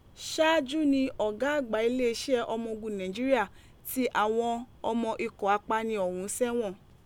Ṣaaju ni ọga agba ileeṣẹ ọmọ ogun Naijria ti awọn ọmọ ikọ apani ọ̀hún sẹ́wọ̀n.